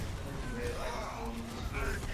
yn y diwedd ai jyst nôl i Chris Froome.